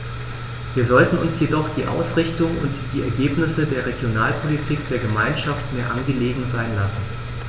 Wir sollten uns jedoch die Ausrichtung und die Ergebnisse der Regionalpolitik der Gemeinschaft mehr angelegen sein lassen.